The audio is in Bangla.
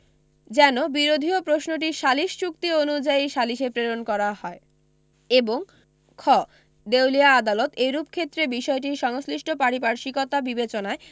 যেন বিরোধীয় প্রশ্নটি সালিস চুক্তি অনুযায়ী সালিসে প্রেরণ করা হয় এবং খ দেউলিয়া আদালত এইরূপ ক্ষেত্রে বিষয়টির সংশ্লিষ্ট পারিপার্শ্বিকতা বিবেচনায়